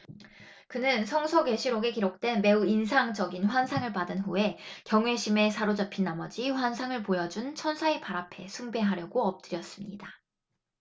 그는 성서 계시록에 기록된 매우 인상적인 환상을 받은 후에 경외심에 사로잡힌 나머지 환상을 보여 준 천사의 발 앞에 숭배하려고 엎드렸습니다